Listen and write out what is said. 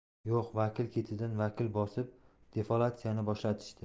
yo'q vakil ketidan vakil bosib defoliatsiyani boshlatishdi